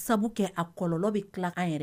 Sabu kɛ a kɔlɔ bɛ tila an yɛrɛ